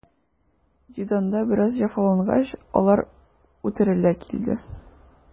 Зинданда бераз җәфалангач, алар үтерелә килде.